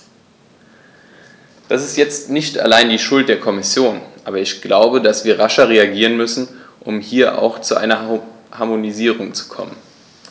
Das ist jetzt nicht allein die Schuld der Kommission, aber ich glaube, dass wir rascher reagieren müssen, um hier auch zu einer Harmonisierung zu kommen.